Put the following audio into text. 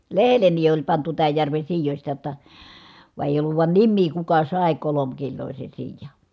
lehdelleni oli pantu tämän järven siioista jotta vaan ei ollut vain nimeä kuka sai kolmekiloisen siian